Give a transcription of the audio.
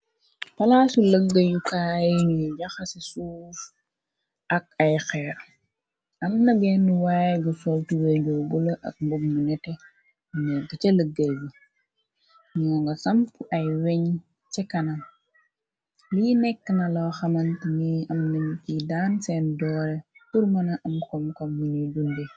palaasu lëgga yukaay ñuy jaxa ci suuf ak ay xeer amna benn waaye gi soltuwee joo bula ak mbom bu nete bnette ca lëggey bi ñoo nga samp ay weñ ca kanal li nekkna la xamant ni am nan kiy daan seen doore tur mëna am kom kam binuy dunde